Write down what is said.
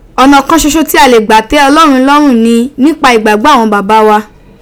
Ona kan soso ti a le gba te Olorun lorun ni nipa igbagbo awon baba wa.